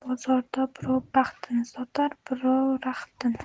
bozorda birov baxtini sotar birov raxtini